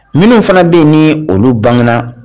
Minnu fana bɛ yen ni olu bangena